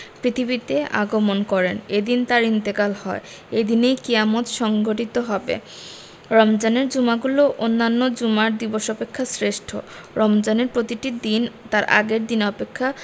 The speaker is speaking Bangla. পৃথিবীতে আগমন করেন এদিন তাঁর ইন্তেকাল হয় এদিনেই কিয়ামত সংঘটিত হবে রমজানের জুমাগুলো অন্যান্য জুমার দিবস অপেক্ষা শ্রেষ্ঠ রমজানের প্রতিটি দিন তার আগের দিন অপেক্ষা